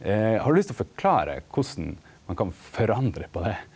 har du lyst å forklare korleis ein kan forandra på det?